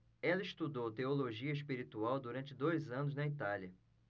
ela estudou teologia espiritual durante dois anos na itália